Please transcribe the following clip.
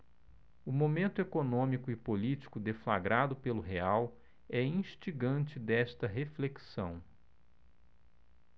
o momento econômico e político deflagrado pelo real é instigante desta reflexão